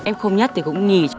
em không nhất thì cũng nhì